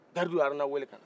garidiw ye haruna wele ka na